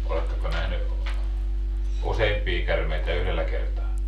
oletteko nähnyt useampia käärmeitä yhdellä kertaa